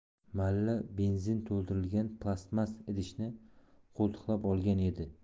malla benzin to'ldirilgan plastmas idishni qo'ltiqlab olgan edi